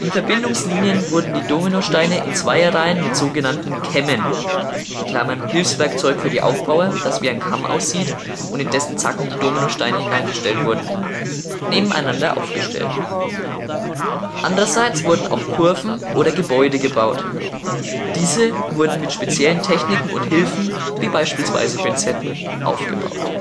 Verbindungslinien wurden die Dominosteine in Zweierreihen mit sog. „ Kämmen “(Hilfswerkzeug für die Aufbauer, das wie ein Kamm aussieht und in dessen Zacken die Dominosteine hineingestellt wurden) nebeneinander aufgestellt. Andererseits wurden auch Kurven oder Gebäude gebaut. Diese wurden mit speziellen Techniken und Hilfen, wie beispielsweise Pinzetten, aufgebaut